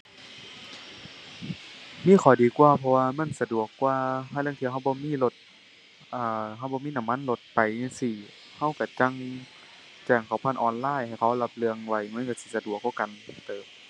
มีข้อดีกว่าเพราะว่ามันสะดวกกว่าห่าลางเทื่อเราบ่มีรถ อ่า เราบ่มีน้ำมันรถ ไปจั่งซี้ เราเราจั่งแจ้งเขาผ่านออนไลน์ให้เขารับเรื่องไว้ มันเราสิสะดวกกว่ากันเติบ